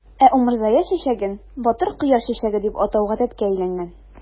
Ә умырзая чәчәген "батыр кояш чәчәге" дип атау гадәткә әйләнгән.